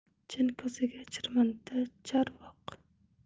jin ko'ziga chirmanda chorvoq